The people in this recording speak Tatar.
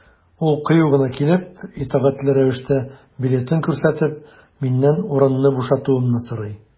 Ул кыю гына килеп, итәгатьле рәвештә билетын күрсәтеп, миннән урынны бушатуымны сорый.